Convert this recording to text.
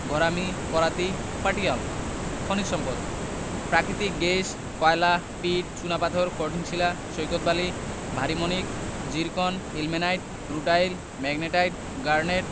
ঘরামি করাতি পাটিয়াল খনিজ সম্পদঃ প্রাকৃতিক গ্যাস কয়লা পিট চুনাপাথর কঠিন শিলা সৈকত বালি ভারি মণিক zircon ilmenite rutile magnetite garnet